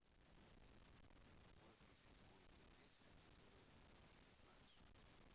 можешь включить какую то песенку какую ты знаешь